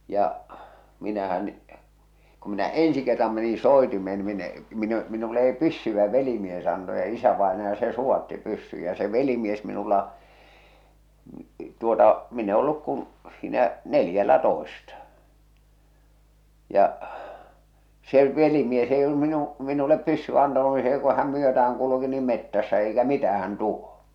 ja minähän kun minä ensi kerran menin soitimeen niin minä en minä en minulle ei - pyssyä velimies antoi ja isävainaja se suvaitsi pyssyn ja se velimies minulla tuota minä en ollut kuin siinä neljällätoista ja se velimies ei ollut - minulle pyssyä antanut niin se kun hän myötään kulki niin metsässä eikä mitään tuo